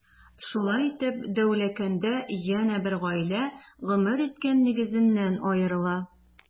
Шулай итеп, Дәүләкәндә янә бер гаилә гомер иткән нигезеннән аерыла.